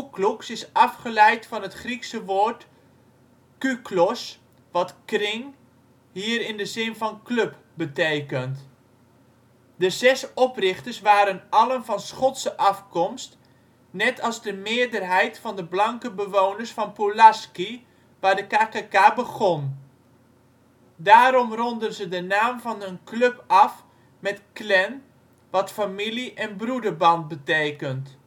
Klux is afgeleid van het Griekse woord kuklos wat kring (hier in de zin van club) betekent. De zes oprichters waren allen van Schotse afkomst, net als de meerderheid van de blanke bewoners van Pulaski waar de KKK begon. Daarom rondden ze de naam van hun club af met clan wat familie en broederband betekent